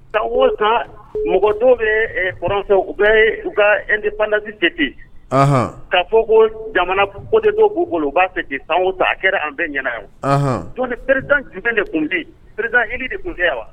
Sango ta mɔgɔ dɔw bɛ u bɛ u ka e ni panlasise ten ka fɔ ko jamana ko de dɔw b'u bolo u b'a fɛ san ta a kɛra an bɛɛ ɲɛna yanered ju de tun tɛered h de tun tɛ yan wa